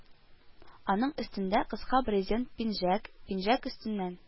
Аның өстендә кыска брезент пинжәк, пинжәк өстеннән